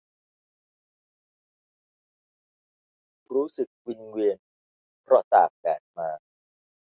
รู้สึกวิงเวียนเพราะตากแดดมา